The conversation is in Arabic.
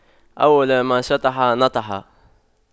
أول ما شطح نطح